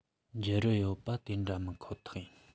འཇིབ རུ ཡིད པ དེ འདྲ མིན ཁོ ཐག ཡིན